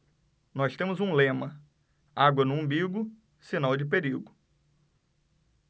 nós temos um lema água no umbigo sinal de perigo